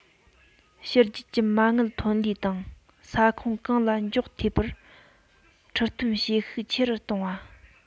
ཕྱི རྒྱལ གྱི མ དངུལ ཐོན ལས དང ས ཁོངས གང ལ འཇོག འཐུས པར ཁྲིད སྟོན བྱེད ཤུགས ཆེ རུ བཏང བ